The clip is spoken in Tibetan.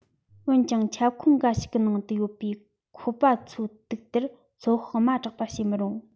འོན ཀྱང ཁྱབ ཁོངས འགའ ཞིག གི ནང དུ ཡོད པའི ཁོ པ ཚོའི དུག རྒྱུན དེར ཚོད དཔག དམའ དྲགས པ བྱེད མི རུང